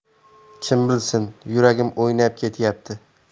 kim bilsin yuragim o'ynab ketyapti